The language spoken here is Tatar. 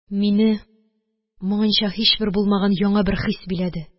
Мине моңынча һичбер булмаган яңы бер хис биләде